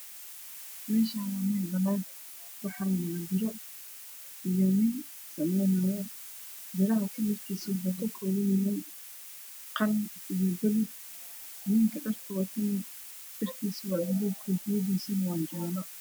Mashan waa mel banan ah wax yalo birar iyo nin samenayo kalar kode waa qalin iyo baluug